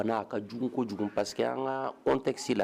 A na na . A ka jugun ko jugu. parceque an ka contexte la